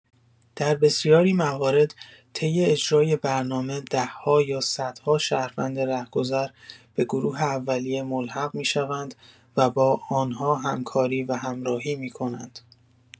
در بسیاری موارد، طی اجرای برنامه ده‌ها یا صدها شهروند رهگذر به گروه اولیه ملحق می‌شوند و با آنها همکاری و همراهی می‌کنند.